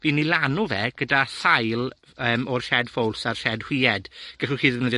fi myn' i lanw fe gyda thail, yym, o'r shed ffowls a'r shed hwyed. Gallwch chi ddefnyddio